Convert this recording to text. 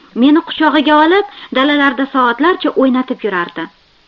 meni quchog'iga olib dalalarda soatlarcha o'ynatib yurardi